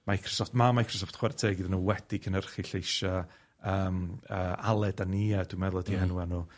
Microsoft ma' Microsoft chwara teg iddyn nw wedi cynyrchu lleisia' yym Aled a Nia dwi meddwl ydi henwa nw